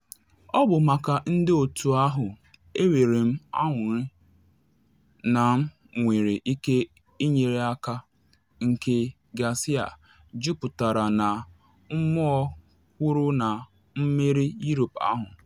Ọ bụ maka ndị otu ahụ., enwere m anụrị na m nwere ike ịnyere aka,” nke Garcia juputara na mmụọ kwuru na mmeri Europe ahụ.